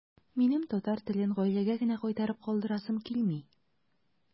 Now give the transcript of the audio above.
Минем татар телен гаиләгә генә кайтарып калдырасым килми.